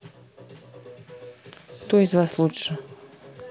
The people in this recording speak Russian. кто из вас лучше